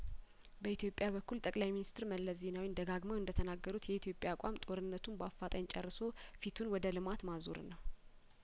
በኢትዮጵያ በኩል ጠቅላይ ሚኒስትር መለስ ዜናዊ ደጋግመው እንደተናገሩት የኢትዮጵያ አቋም ጦርነቱን በአፋጣኝ ጨርሶ ፊቱን ወደ ልማት ማዞር ነው